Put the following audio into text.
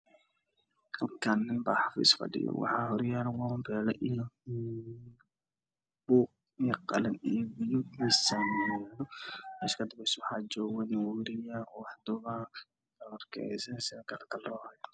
Meeshan waa meel xafiisyo waxaa joogo nuuto cusub madow iyo shaarcad waxaa hor yaalla miis waxa u saaran taleefanno iyo biya cafi